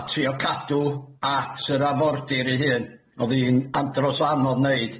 a trio cadw at yr arfordir ei hun o'dd hi'n andros o anodd 'neud.